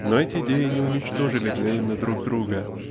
Но эти идеи не уничтожили взаимно друг друга